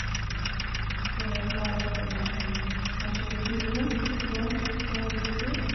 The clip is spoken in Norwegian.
Og det tar sånn kanskje fjorten timer å gå alle de syv.